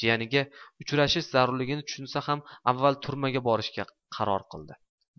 jiyaniga uchrashish zarurligini tushunsa ham avval turmaga borishga qaror qildi